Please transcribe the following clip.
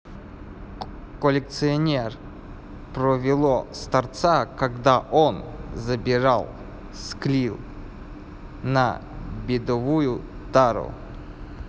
коллекционер провело старца когда он забирает скил на бедовую тару